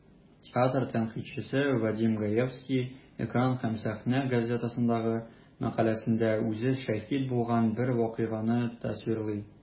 Театр тәнкыйтьчесе Вадим Гаевский "Экран һәм сәхнә" газетасындагы мәкаләсендә үзе шаһит булган бер вакыйганы тасвирлый.